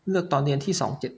เลือกตอนเรียนที่สองเจ็ด